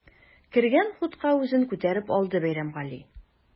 Кергән хутка үзен күтәреп алды Бәйрәмгали.